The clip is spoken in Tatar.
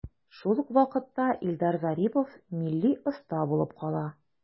Шул ук вакытта Илдар Зарипов милли оста булып кала.